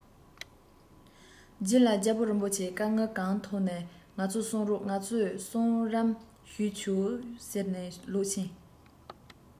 ཐོག མར ཁོང གཉིས ཀྱི བྱ ཚོགས དབུས སུ ཕྱིན ནས